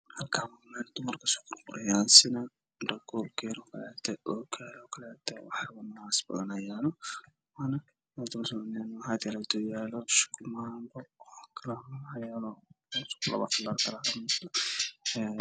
Waxaa ii muuqda miis baalasha indhaha midadkooda yahay madow waxa ay ku jiraan kartaamo haddaan waji qof ayaa ku sawiran